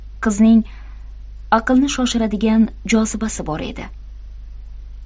qizning aqlni shoshiradigan jozibasi bor edi